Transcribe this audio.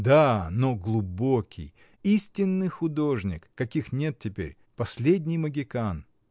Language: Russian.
— Да, но глубокий, истинный художник, каких нет теперь: последний могикан!.